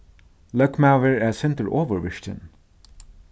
løgmaður er eitt sindur ovurvirkin